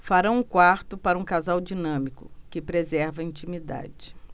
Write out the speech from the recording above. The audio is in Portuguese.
farão um quarto para um casal dinâmico que preserva a intimidade